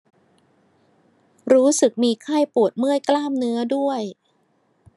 รู้สึกมีไข้ปวดเมื่อยกล้ามเนื้อด้วย